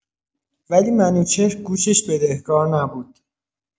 ولی منوچهر گوشش بدهکار نبود.